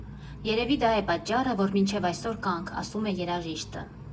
Երևի դա է պատճառը, որ մինչև այսօր կանք, ֊ ասում է երաժիշտը։